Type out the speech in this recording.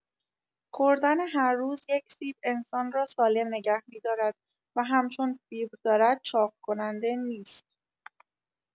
خوردن هر روز یک سیب انسان را سالم نگه می‌دارد و هم چون فیبر دارد چاق‌کننده نیست.